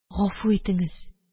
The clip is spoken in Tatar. Гафу итеңез